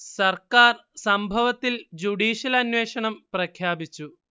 സർക്കാർ സംഭവത്തിൽ ജുഡീഷ്യൽ അന്വേഷണം പ്രഖ്യാപിച്ചു